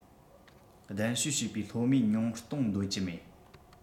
གདན ཞུས བྱས པའི སློབ མའི ཉུང གཏོང འདོད ཀྱི མེད